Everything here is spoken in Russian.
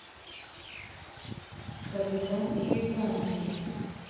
капитанские танки